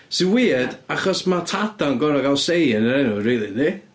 Sy'n weird, achos ma' tadau'n gorod cael say yn yr enw rili, yndi?